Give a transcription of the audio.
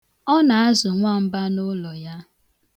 Ọ na-azụ nwamba n'ụlọ ya.